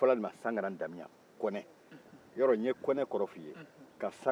yarɔ n ye kɔnɛ kɔrɔ f'i ye ka sankara damiyan kɔrɔ f'i ye